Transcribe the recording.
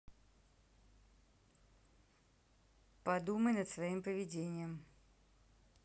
подумай над своим поведением